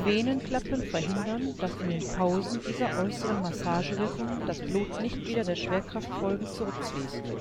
Venenklappen verhindern, dass in den Pausen dieser äußeren Massagewirkung das Blut nicht wieder der Schwerkraft folgend zurückfließt.